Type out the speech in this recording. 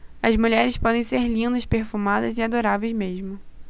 as mulheres podem ser lindas perfumadas e adoráveis mesmo